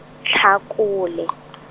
Tlhakole .